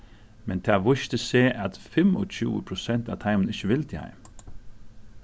men tað vísti seg at fimmogtjúgu prosent av teimum ikki vildu heim